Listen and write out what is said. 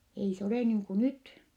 ei se ole niin kuin nyt